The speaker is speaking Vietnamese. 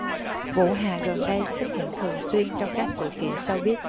vũ hà gần đây xuất hiện thường xuyên trong các sự kiện showbiz